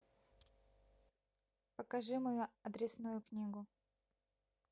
покажи мою адресную книгу